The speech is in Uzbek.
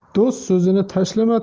do'st so'zini tashlama